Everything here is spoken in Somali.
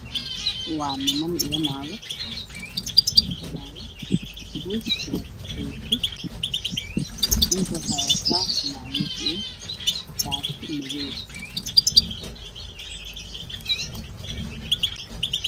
Waa niman iyo naago ninka usoo horeyo wuxuu wataa surwaal madow ah iyo kabo madow ah